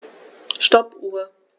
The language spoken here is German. Stoppuhr.